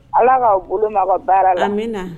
Ala k'aaw bolo ma ka baara lam min na